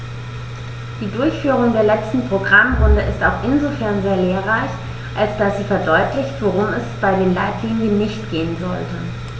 Die Durchführung der letzten Programmrunde ist auch insofern sehr lehrreich, als dass sie verdeutlicht, worum es bei den Leitlinien nicht gehen sollte.